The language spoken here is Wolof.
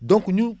donc ñu